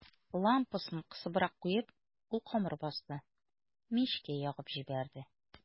Лампасын кысыбрак куеп, ул камыр басты, мичкә ягып җибәрде.